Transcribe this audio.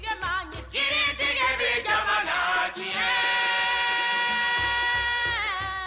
Denbasonintigɛtigɛ bɛ jago diɲɛ